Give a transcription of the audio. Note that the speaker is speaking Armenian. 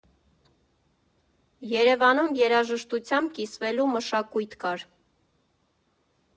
Երևանում երաժշտությամբ կիսվելու մշակույթ կար։